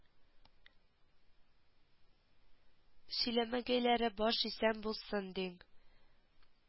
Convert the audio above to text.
Сөйләмәгәйләре баш исән булсын диң